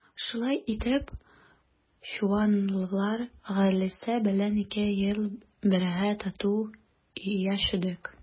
Шулай итеп Чувановлар гаиләсе белән ике ел бергә тату яшәдек.